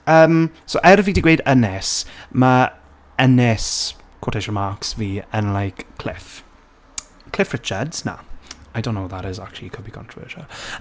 Yym so er fi 'di gweud ynys, ma' ynys, quotation marks fi, yn like, cliff, Cliff Richards, na, I don't know who that is actually, could be controversial.